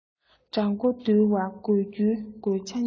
དགྲ མགོ འདུལ བར དགོས རྒྱུའི དགོས ཆ གཉིས